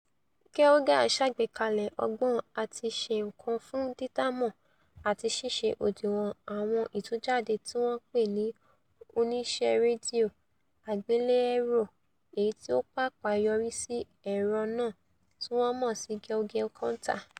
Geiger ṣàgbékalẹ̀ ọgbọ́n-àtiṣenǹkan fún dídámọ̀ àti ṣíṣe òdiwọ̀n àwọn ìtújáde tíwọn pè ni oníṣẹ́rédíò, àgbélẹ̀rọ èyití o pàpà yọrísì ẹ̀rọ náà tíwọ́n mọ̀ sí Geiger Counter.